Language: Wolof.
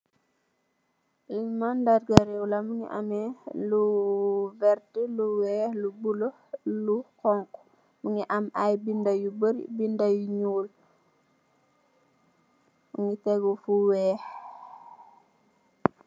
Li mandarga rew la, mugii ameh lu werta, lu wèèx, lu bula, lu xonxu. Mugii am ay bindé yu bari, bindé yu ñuul mugii tégu fu wèèx.